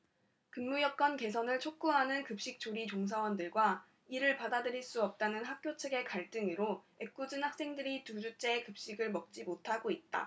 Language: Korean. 근무여건 개선을 촉구하는 급식 조리 종사원들과 이를 받아들일 수 없다는 학교 측의 갈등으로 애꿎은 학생들이 두 주째 급식을 먹지 못하고 있다